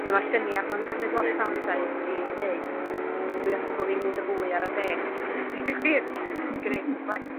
dyma'r llynia' ma' nw'n cymryd lot o amser i i gneud a dwi ella bo' fi mynd y fwy ara deg, deud y gwir. I gneud y gwaith.